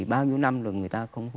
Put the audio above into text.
bao nhiêu năm rồi người ta không